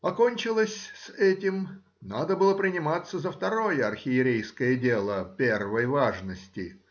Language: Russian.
Окончилось с этим,— надо было приниматься за второе архиерейское дело первой важности